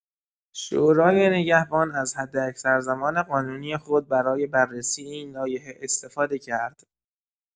شورای نگهبان از حداکثر زمان قانونی خود برای بررسی این لایحه استفاده کرد.